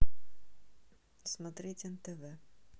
смотреть нтв